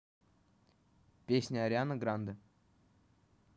песни ariana grande